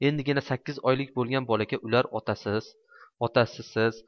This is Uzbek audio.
endigina sakkiz oylik bo'lgan bolaga ular otasisiz